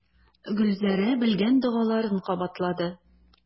Гөлзәрә белгән догаларын кабатлады.